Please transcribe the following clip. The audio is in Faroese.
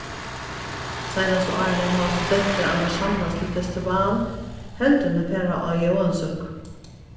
seinastu árini hava studentar annars samlast til festival heldur enn at fara á jóansøku